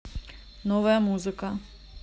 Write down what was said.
новая музыка